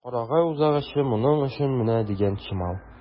Карагай үзагачы моның өчен менә дигән чимал.